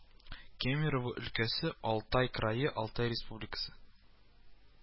Кемерово өлкәсе, Алтай крае, Алтай Республикасы